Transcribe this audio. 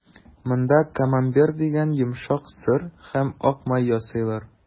Монда «Камамбер» дигән йомшак сыр һәм ак май ясыйлар.